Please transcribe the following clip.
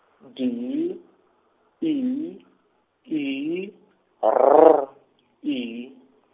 D I I R I.